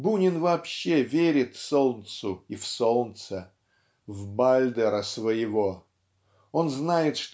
Бунин вообще верит солнцу и в солнце, в Бальдера своего он знает